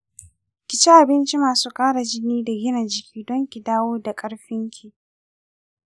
kici abinci masu kara jini da gina jiki don ki dawo da karfinki.